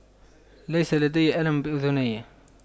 ليس لدي ألم بأذني